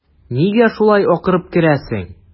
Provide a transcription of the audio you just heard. Нигә шулай акырып керәсең?